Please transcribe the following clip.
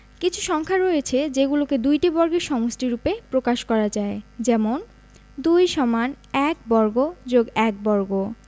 কিছু সংখ্যা রয়েছে যেগুলোকে দুইটি বর্গের সমষ্টিরুপে প্রকাশ করা যায় যেমনঃ ২ = ১ বর্গ + ১ বর্গ